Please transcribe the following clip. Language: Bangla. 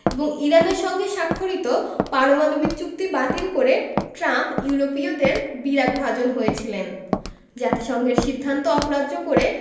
এবং ইরানের সঙ্গে স্বাক্ষরিত পারমাণবিক চুক্তি বাতিল করে ট্রাম্প ইউরোপীয়দের বিরাগভাজন হয়েছিলেন জাতিসংঘের সিদ্ধান্ত অগ্রাহ্য করে